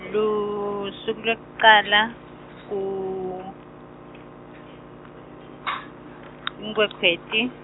lusuku lwekucala, kuNkhwekhweti.